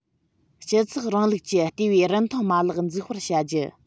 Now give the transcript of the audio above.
གཅིག སྤྱི ཚོགས རིང ལུགས ཀྱི ལྟེ བའི རིན ཐང མ ལག འཛུགས སྤེལ བྱ རྒྱུ